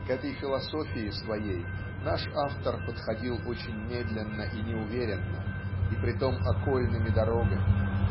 К этой философии своей наш автор подходил очень медленно и неуверенно и притом окольными дорогами.